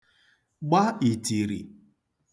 gba ìtìrì